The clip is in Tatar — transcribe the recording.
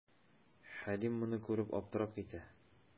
Хәлим моны күреп, аптырап китә.